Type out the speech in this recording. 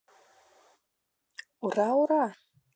ура ура